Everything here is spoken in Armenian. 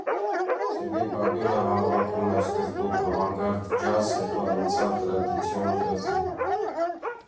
Սերգեյ «Բաբյուրը» հավաքում էր սկզբում ավանգարդ ջազ, հետո անցավ տրադիցիոն ջազի։